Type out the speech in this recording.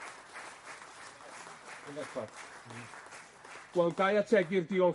Ardderchog. Hmm. Wel, gai ategu'r diolch...